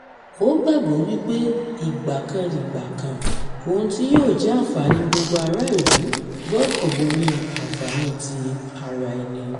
Ó gbàgbọ́ wípé ìgbàkanìgbàkàn “ohun tí yóò jẹ́ àǹfààní gbogbo ará ìlú gbọdọ̀ bo orí àǹfààní ti ara ẹni.”